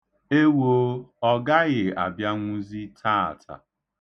Ewoo! Ọ gaghị abịanwuzị taata.